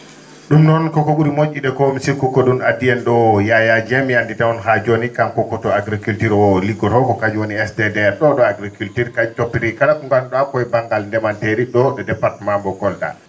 ?um noon koko ?uri mo??ude koo mi sikku ko ?uum addi en ?oo Yaya Dieng mi andita on haa jooni kanko koto agriculture o liggotoo ko kañum woni SDDR ?o ?o agriculture kañum toppitii kala ko nganndu?aa ko he ba?ngal ndemanteeri ?o e département mbo Kolda